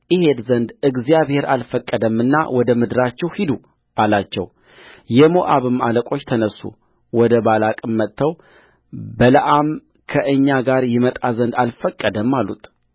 እሄድ ዘንድ እግዚአብሔር አልፈቀደምና ወደ ምድራችሁ ሂዱ አላቸውየሞዓብ አለቆች ተነሡ ወደ ባላቅም መጥተው በለዓም ከእኛ ጋር ይመጣ ዘንድ አልፈቀደም አሉት